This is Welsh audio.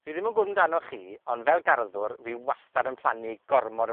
Fi ddim yn gwbo amdanoch chi, ond fel garddwr fi wastad yn plannu gormod o